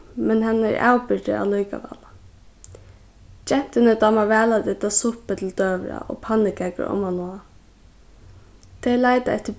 men hann er avbyrgdur allíkavæl gentuni dámar væl at eta suppu til døgurða og pannukakur omaná tey leita eftir